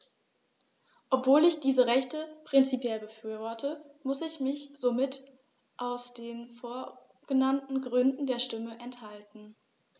Obwohl ich diese Rechte prinzipiell befürworte, musste ich mich somit aus den vorgenannten Gründen der Stimme enthalten.